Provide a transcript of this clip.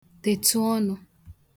dètụ ọnụ